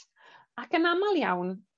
Ac yn amal iawn,